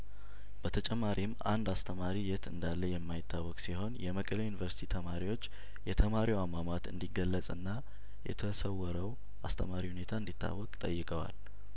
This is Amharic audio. በተጨማሪም አንድ አስተማሪ የት እንዳለ የማይታወቅ ሲሆን የመቀሌው ዩኒቨርስቲ ተማሪዎች የተማሪው አሟሟት እንዲገለጽና የተሰወረው አስተማሪ ሁኔታ እንዲታወቅ ጠይቀዋል